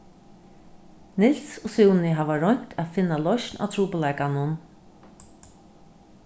niels og súni hava roynt at finna loysn á trupulleikanum